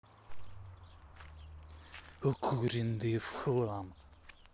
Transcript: укуренные в хлам